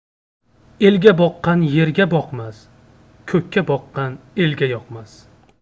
elga boqqan yerga boqmas ko'kka boqqan elga yoqmas